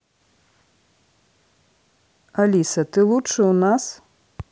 алиса ты лучше у нас